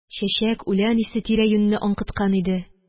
Чәчәк, үлән исе тирә-юньне аңкыткан иде.